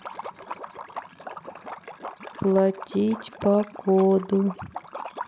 платить по коду